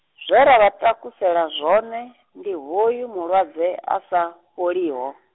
zwe ra vha takusela zwone, ndi hoyu mulwadze asa, fholiho.